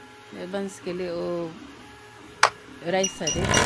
Det er vanskelig å reise dit.